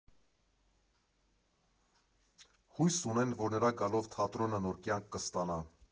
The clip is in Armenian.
Հույս ունեն, որ նրա գալով թատրոնը նոր կյանք կստանա։